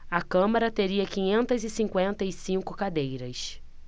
a câmara teria quinhentas e cinquenta e cinco cadeiras